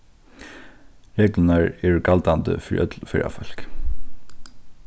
reglurnar eru galdandi fyri øll ferðafólk